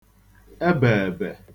ebèèbè